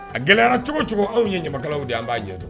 A gɛlɛyara cogocogo anw ye ɲamakalaw de an b'a ɲɛtɔ